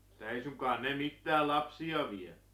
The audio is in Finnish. ei suinkaan ne mitään lapsia vie